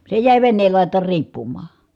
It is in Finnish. se jäi veneen laitaan riippumaan